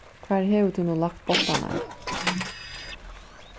hvar hevur tú nú lagt bóltarnar